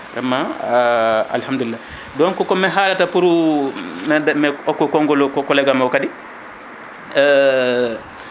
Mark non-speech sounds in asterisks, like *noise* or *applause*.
vraiment *hesitation* Alhamdulillah donc komi haalata pour *hesitation* mi hokko konggol o collégue am o kadi *hesitation*